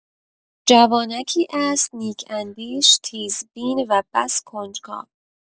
جوانکی است نیک‌اندیش، تیزبین و بس کنجکاو.